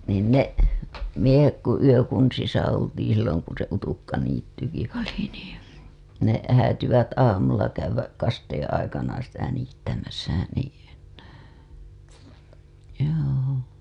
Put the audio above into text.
niin ne miehet kun yökunnissa oltiin silloin kun se utukkaniittykin oli niin ne häätyivät aamulla käydä kasteen aikana sitä niittämässä niin joo